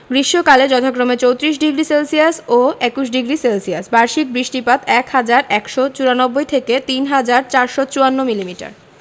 গ্রীষ্মকালে যথাক্রমে ৩৪ডিগ্রি সেলসিয়াস ও ২১ডিগ্রি সেলসিয়াস বার্ষিক বৃষ্টিপাত ১হাজার ১৯৪ থেকে ৩হাজার ৪৫৪ মিলিমিটার